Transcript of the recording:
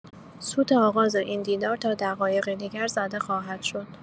سوت آغاز این دیدار تا دقایقی دیگر زده خواهد شد.